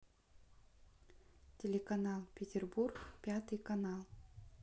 телеканал петербург пятый канал